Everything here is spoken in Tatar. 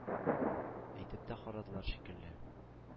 Әйтеп тә карадылар шикелле,